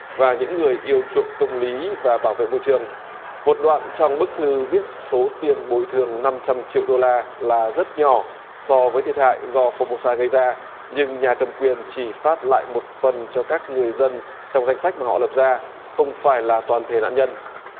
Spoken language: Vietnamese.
và những người yêu chuộng công lý và bảo vệ môi trường một đoạn trong bức thư viết số tiền bồi thường năm trăm triệu đô la là rất nhỏ so với thiệt hại do pho mu sa gây ra nhưng nhà cầm quyền chỉ phát lại một phần cho các người dân trong danh sách mà họ lập ra không phải là toàn thể nạn nhân